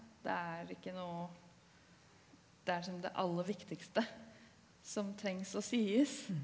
det er ikke noe det er som det aller viktigste som trengs å sies.